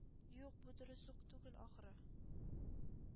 Юк, бу дөрес үк түгел, ахры...